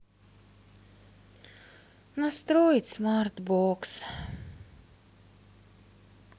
настроить смарт бокс